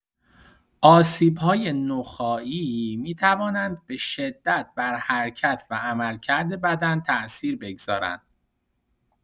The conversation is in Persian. آسیب‌های نخاعی می‌توانند به‌شدت بر حرکت و عملکرد بدن تأثیر بگذارند.